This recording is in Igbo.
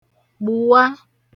gbùwa